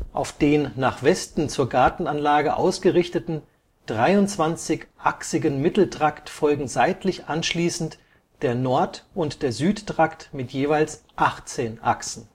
Auf den nach Westen zur Gartenanlage ausgerichteten, 23-achsigen Mitteltrakt folgen seitlich anschließend der Nord - und der Südtrakt mit jeweils 18 Achsen